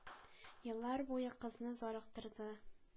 Еллар буе кызны зарыктырды